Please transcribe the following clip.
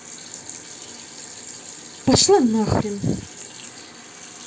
пошла на хрен